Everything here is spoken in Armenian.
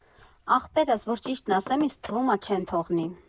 Ախպերս, որ ճիշտն ասեմ, ինձ թվում ա, չեն թողնի։